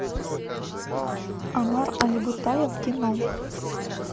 омар алибутаев кино